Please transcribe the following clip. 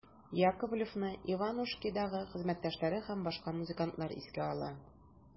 Яковлевны «Иванушки»дагы хезмәттәшләре һәм башка музыкантлар искә ала.